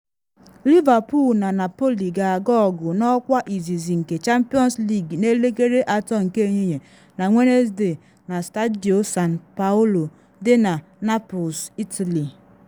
Liverpool na Napoli ga-aga ọgụ n’ọkwa izizi nke Champions League na elekere 3 nke ehihie na Wenesde na Stadio San Paolo dị na Naples, Italy.